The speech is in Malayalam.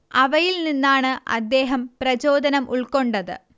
അവയിൽ നിന്നാണ് അദ്ദേഹം പ്രചോദനം ഉൾക്കൊണ്ടത്